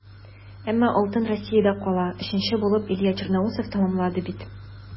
Әмма алтын Россиядә кала - өченче булып Илья Черноусов тәмамлады бит.